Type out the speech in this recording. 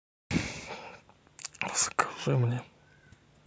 расскажи мне